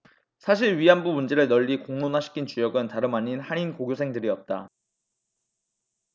사실 위안부 문제를 널리 공론화시킨 주역은 다름아닌 한인고교생들이었다